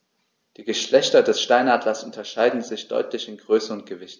Die Geschlechter des Steinadlers unterscheiden sich deutlich in Größe und Gewicht.